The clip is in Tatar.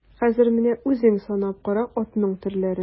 Хәзер менә үзең санап кара атның төрләрен.